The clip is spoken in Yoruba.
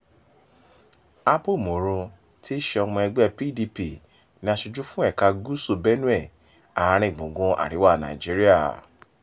Abba Moro, tí í ṣe ọmọ ẹgbẹ́ẹ PDP, ni aṣojú fún ẹ̀ka Gúúsù Benue, àárín gbùngbùn àríwá Nàìjíríà.